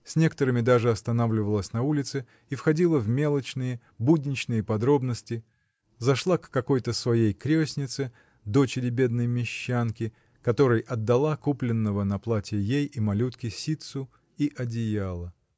С некоторыми даже останавливалась на улице и входила в мелочные, будничные подробности, зашла к какой-то своей крестнице, дочери бедной мещанки, которой отдала купленного на платье ей и малютке ситцу и одеяло.